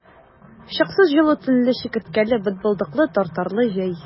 Чыксыз җылы төнле, чикерткәле, бытбылдыклы, тартарлы җәй!